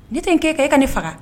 N tɛ kɛ kɛ e ka ne faga